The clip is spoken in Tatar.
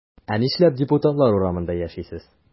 Ә нишләп депутатлар урамында яшисез?